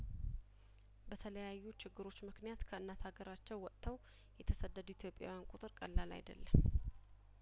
በተላያዩ ችግሮች ምክንያት ከእናት አገራቸው ወጥተው የተሰደዱ ኢትዮጵያዊያን ቁጥር ቀላል አይደለም